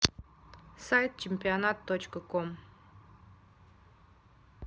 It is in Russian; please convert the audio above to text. сайт чемпионат точка ком